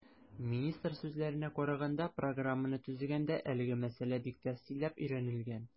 Министр сүзләренә караганда, программаны төзегәндә әлеге мәсьәлә бик тәфсилләп өйрәнелгән.